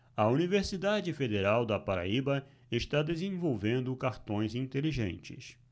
a universidade federal da paraíba está desenvolvendo cartões inteligentes